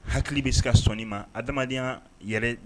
Hakili bɛ se ka sɔnɔni ma adamadenya yɛrɛ